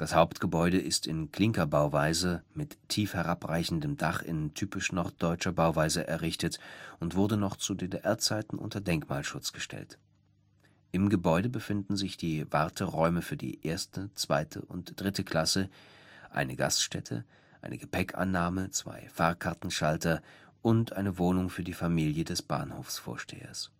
Hauptgebäude ist in Klinkerbauweise mit tief herabreichendem Dach in typisch norddeutscher Bauweise errichtet und wurde noch zu DDR-Zeiten unter Denkmalschutz gestellt. Im Gebäude befinden sich Warteräume für die 1., 2. und 3. Klasse, eine Gaststätte, eine Gepäckannahme, zwei Fahrkartenschalter und eine Wohnung für die Familie des Bahnhofsvorstehers